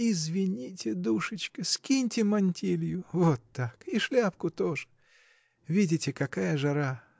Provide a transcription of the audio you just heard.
Извините, душечка, скиньте мантилью — вот так, и шляпку тоже. Видите, какая жара!